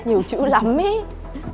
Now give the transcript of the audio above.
nhiều chữ lắm í